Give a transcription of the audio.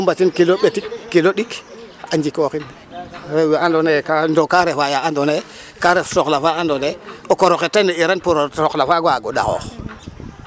mbatin kilo ɗik kilo ɓetik a njikooxin rew we andoona yee, ka andoona yee ,kaa refa no ka andoona yee ka ref soxla fa andoona yee o koor oxe tane'iran pour soxla fa waag o ɗaxoox